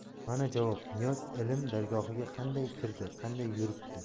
mana javob niyoz ilm dargohiga qanday kirdi qanday yuribdi